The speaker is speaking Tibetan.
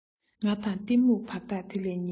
ང དང གཏི མུག བར ཐག དེ ལས ཉེ